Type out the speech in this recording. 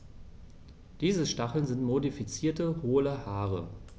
Diese Stacheln sind modifizierte, hohle Haare.